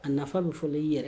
A nafa min fɔ i yɛrɛ